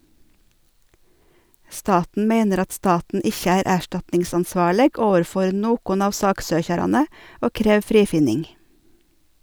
Staten meiner at staten ikkje er erstatningsansvarleg overfor nokon av saksøkjarane og krev frifinning.